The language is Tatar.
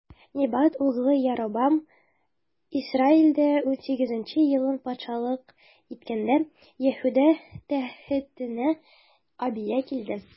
Небат углы Яробам Исраилдә унсигезенче елын патшалык иткәндә, Яһүдә тәхетенә Абия килде.